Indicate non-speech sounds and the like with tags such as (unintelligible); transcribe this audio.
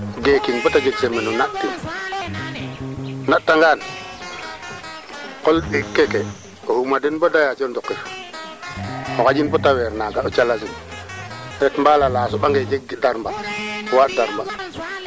to yaqe xelaar le tarmba saqoogum garno fund le ngund le yaay mbaa saa ne godina laŋe laŋ xana saqit ndaa saqit leene (unintelligible) mbooko xelaar